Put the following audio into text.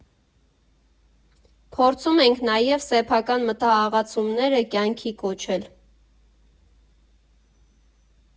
Փորձում ենք նաև սեփական մտահղացումները կյանքի կոչել։